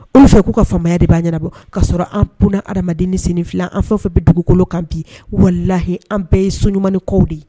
Olu fɛ k'u ka famaya de b'a ɲɛnaanabɔ k kaa sɔrɔ an kunnauna adamadamaden senfi anfa fɛ bɛ dugukolo kan bi walahi an bɛɛ ye so ɲumankaw de